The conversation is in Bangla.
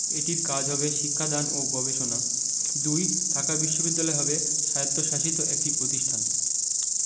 এটির কাজ হবে শিক্ষা দান ও গবেষণা ২. ঢাকা বিশ্ববিদ্যালয় হবে স্বায়ত্তশাসিত একটি প্রতিষ্ঠান